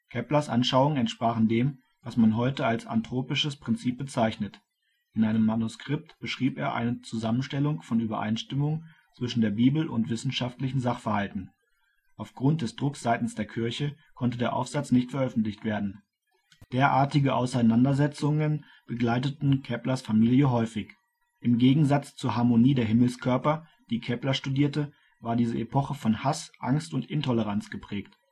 Keplers Anschauungen entsprachen dem, was man heute als anthropisches Prinzip bezeichnet. In einem Manuskript beschrieb er eine Zusammenstellung von Übereinstimmungen zwischen der Bibel und wissenschaftlichen Sachverhalten. Auf Grund des Drucks seitens der Kirche konnte der Aufsatz nicht veröffentlicht werden. Derartige Auseinandersetzungen begleitete Keplers Familie häufig. Im Gegensatz zur Harmonie der Himmelskörper, die Kepler studierte, war diese Epoche von Hass, Angst und Intoleranz geprägt